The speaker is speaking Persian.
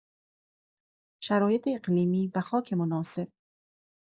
شرایط اقلیمی و خاک مناسب